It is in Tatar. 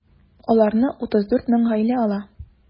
Аларны 34 мең гаилә ала.